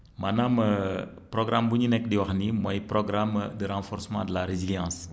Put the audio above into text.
maanaam programme bu ñuy ne di wax nii mooy programme de renforcement de la résiliance